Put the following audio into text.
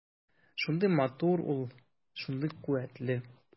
Шундый матур ул, шундый куәтле.